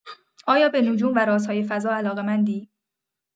آیا به نجوم و رازهای فضا علاقه‌مندی؟